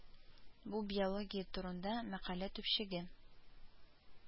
Бу биология турында мәкалә төпчеге